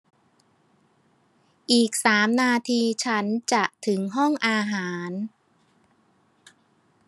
อีกสามนาทีฉันจะถึงห้องอาหาร